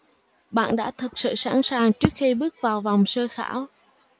bạn đã thực sự sẵn sàng trước khi bước vào vòng sơ khảo